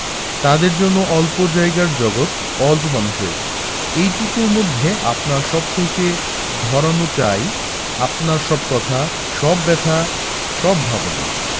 তাদের জন্য অল্প জায়গার জগত অল্প মানুষের এটুকুর মধ্যে আপনার সবটাকে ধরানো চাই আপনার সব কথা সব ব্যাথা সব ভাবনা